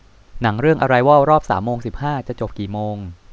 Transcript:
หนังเรื่องอะไรวอลรอบสามโมงสิบห้าจะจบกี่โมง